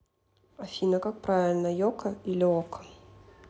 афина как правильно йоко или okko